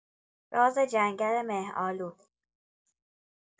راز جنگل مه‌آلود